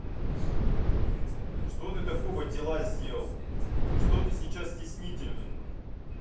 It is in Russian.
что ты такого дела сделал что ты сейчас стеснительный